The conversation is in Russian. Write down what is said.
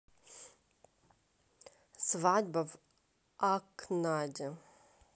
свадьба в акнаде